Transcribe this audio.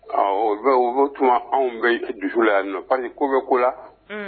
Ɔ u bɛo tuma anw bɛ dusu la yan pari ko bɛ ko la